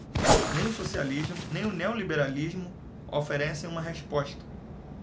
nem o socialismo nem o neoliberalismo oferecem uma resposta